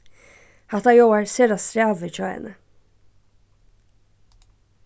hatta ljóðar sera strævið hjá henni